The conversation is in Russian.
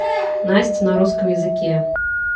настя на русском языке